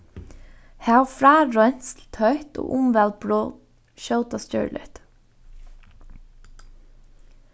hav frárensl tøtt og umvæl brot skjótast gjørligt